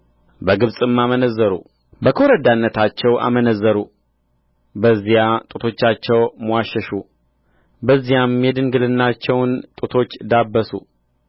በግብጽም አመነዘሩ በኰረዳነታቸው አመነዘሩ በዚያ ጡቶቻቸው ምዋሸሹ በዚያም የድንግልናቸውን ጡቶች ዳበሱ